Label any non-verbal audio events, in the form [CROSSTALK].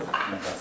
[NOISE] [HESITATION] [HESITATION]